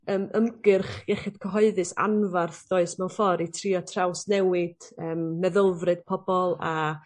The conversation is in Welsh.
yym ymgyrch iechyd cyhoeddus anfarth does mewn ffor i trio trawsnewid yym meddylfryd pobol a